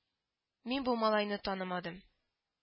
Мин бу малайны танымадым